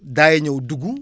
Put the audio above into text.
daay ñëw dugg